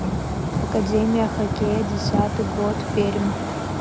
академия хоккея десятый год пермь